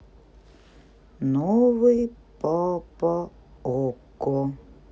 новый папа окко